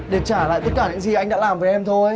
để trả lại tất cả những gì anh đã làm với em thôi